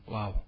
waaw